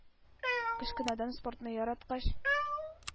– кечкенәдән спортны яраткач,